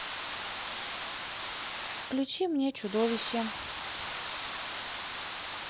включи мне чудовище